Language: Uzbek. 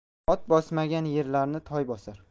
ot bosmagan yerlarni toy bosar